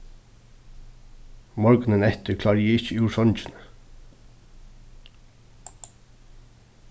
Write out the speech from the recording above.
morgunin eftir klári eg ikki úr songini